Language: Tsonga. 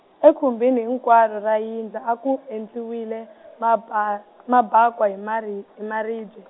ekhumbini hinkwarho ra yindlu a ku endliwile, maba- mabakwa hi mari- hi maribye.